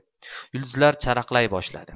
yulduzlar charaqlay boshladi